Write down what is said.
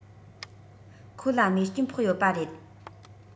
ཁོ ལ རྨས སྐྱོན ཕོག ཡོད པ རེད